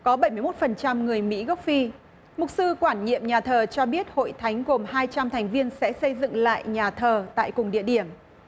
có bảy mươi mốt phần trăm người mỹ gốc phi mục sư quản nhiệm nhà thờ cho biết hội thánh gồm hai trăm thành viên sẽ xây dựng lại nhà thờ tại cùng địa điểm